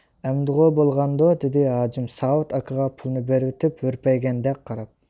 ئەمدىغۇ بولغاندۇ دېدى ھاجىم ساۋۇت ئاكىغا پۇلنى بېرىۋېتىپ ھۈرپەيگەندەك قاراپ